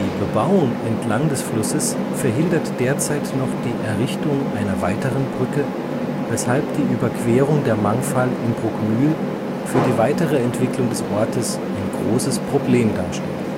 Bebauung entlang des Flusses verhindert derzeit noch die Errichtung einer weiteren Brücke, weshalb die Überquerung der Mangfall in Bruckmühl für die weitere Entwicklung des Ortes ein großes Problem darstellt